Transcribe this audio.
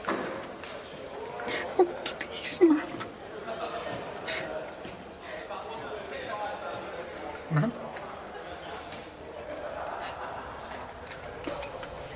Oh, plîs mam. . Mam?